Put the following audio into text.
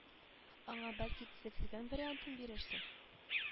Аңа бәлки төзәтелгән вариантын бирерсең